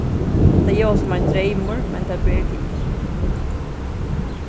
hetta ljóðar sum ein dreymur men tað ber til